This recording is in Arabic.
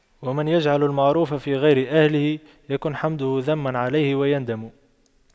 ومن يجعل المعروف في غير أهله يكن حمده ذما عليه ويندم